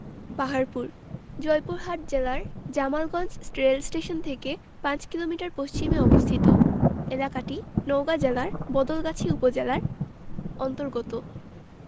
পাহাড়পুর জয়পুরহাট জেলার জামালগঞ্জ রেলস্টেশন থেকে ৫ কিলোমিটার পশ্চিমে অবস্থিত এলাকাটি নওগাঁ জেলার বদলগাছি উপজেলার অন্তর্গত